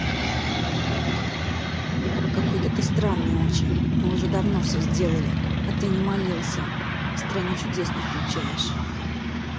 какой то ты странный очень мы уже давно все сделали а ты не молился в стране чудес не включаешь